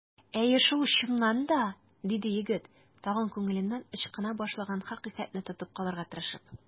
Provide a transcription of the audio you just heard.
Әйе шул, чыннан да! - диде егет, тагын күңеленнән ычкына башлаган хакыйкатьне тотып калырга тырышып.